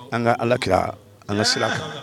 An ka alaki an ka sira kan